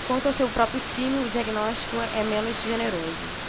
quanto ao seu próprio time o diagnóstico é menos generoso